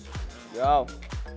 dô